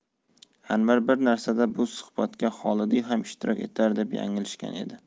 anvar bir narsada bu suhbatda xolidiy ham ishtirok etar deb yanglishgan edi